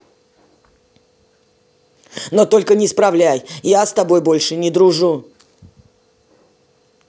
но только не исправляй я с тобой больше не дружу